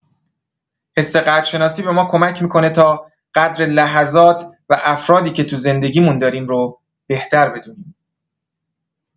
حس قدرشناسی به ما کمک می‌کنه تا قدر لحظات و افرادی که تو زندگی‌مون داریم رو بهتر بدونیم.